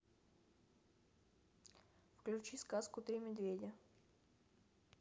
включи сказку три медведя